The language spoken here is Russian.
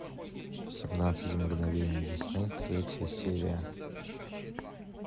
семнадцать мгновений весны третья серия